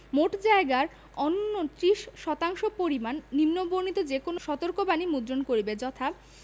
মোট জায়গার অনূন্য ৩০% শতাংশ পরিমাণ নিম্নবণিত যে কোন সতর্কবাণী মুদ্রণ করিবে যথা